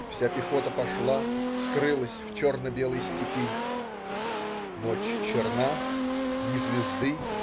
Вся пехота пошла, скрылась в черно-белой степи. Ночь черна, ни звезды.